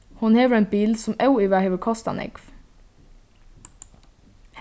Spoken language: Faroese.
hon hevur ein bil sum óivað hevur kostað nógv